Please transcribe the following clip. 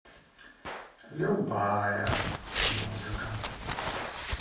любая музыка